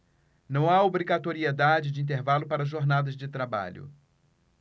não há obrigatoriedade de intervalo para jornadas de trabalho